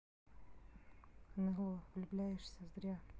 nlo влюбляешься зря